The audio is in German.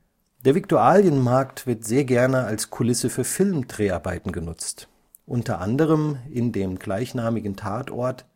Viktualienmarkt wird sehr gerne als Kulisse für Film-Dreharbeiten genutzt, unter anderem in dem gleichnamigen Tatort